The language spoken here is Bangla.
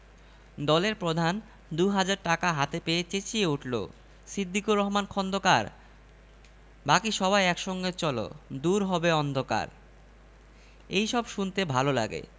কুমীর প্রতীকের খবর শহরে ছড়িয়ে দেবার দায়িত্ব শেষ করে মুখলেস সাহেব ফার্মেসীতে এসে বসলেন সিদ্দিকুর রহমান আগে থেকেই সেখানে আছেন